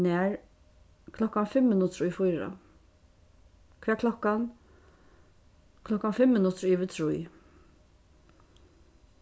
nær klokkan fimm minuttir í fýra hvat klokkan klokkan fimm minuttir yvir trý